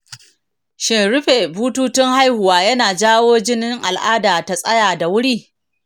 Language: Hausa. shin rufe bututun haihuwa yana jawo jinin al'ada ta tsaya da wuri?